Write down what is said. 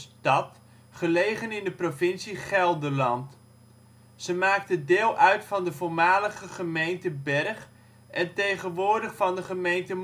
stad gelegen in de provincie Gelderland. Ze maakte deel uit van de voormalige gemeente Bergh en tegenwoordig van de gemeente